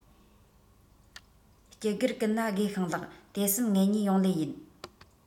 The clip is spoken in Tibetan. སྤྱི སྒེར ཀུན ལ དགེ ཞིང ལེགས དེ བསམ ངེད གཉིས ཡོང ལེ ཡིན